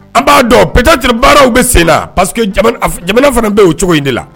An b'a dɔn pjati baaraw bɛ sen la parce que jamana fana bɛ o cogo in de la